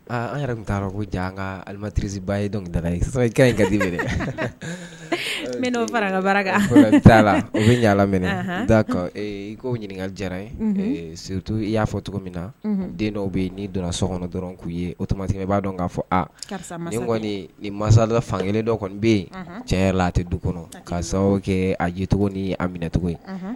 An yɛrɛ taara ko jan an ka alitirisiba ye i kɛra ga taara la u bɛ ɲa lam minɛ koo ɲininkaka diyara stu i y'a fɔ cogo min na den dɔw bɛ' donna sokɔnɔ dɔrɔn k'u ye o b'a dɔn k'a fɔ a kɔni masa dɔ fankelen dɔ kɔni bɛ yen cɛ la a tɛ du kɔnɔ ka sababu kɛ a yecogo ni a minɛcogo ye